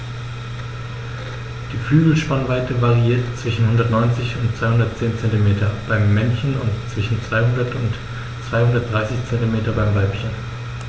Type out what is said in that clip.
Die Flügelspannweite variiert zwischen 190 und 210 cm beim Männchen und zwischen 200 und 230 cm beim Weibchen.